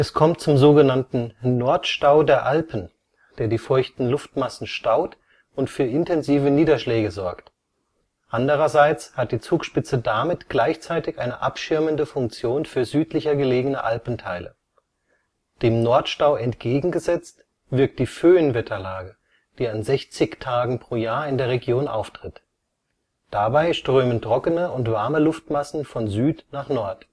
kommt zum „ Nordstau der Alpen “, der die feuchten Luftmassen staut und für intensive Niederschläge sorgt. Andererseits hat die Zugspitze damit gleichzeitig eine abschirmende Funktion für südlicher gelegene Alpenteile. Dem Nordstau entgegengesetzt wirkt die Föhn-Wetterlage, die an 60 Tagen pro Jahr in der Region auftritt. Dabei strömen trockene und warme Luftmassen von Süd nach Nord